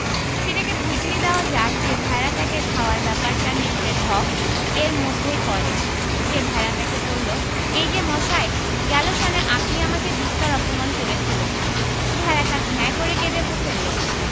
সেটাকে বুঝিয়ে দেওয়া যাক যে ভেড়াটাকে খাওয়ার ব্যাপারটা নেকড়ের হক এর মধ্যেই পড়ে সে ভেড়াটাকে বলল এই যে মশাই গেল সনে আপনি আমাকে বিস্তর অপমান করেছিলেন ভেড়াটা ভ্যাঁ করে কেঁদে ফেলল